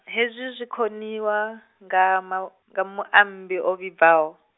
hezwi zwi koniwa, nga ma-, nga muambi o vhibvaho.